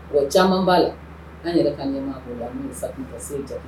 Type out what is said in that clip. Wa caman b'a la an yɛrɛ ka ɲɛmaa b'o la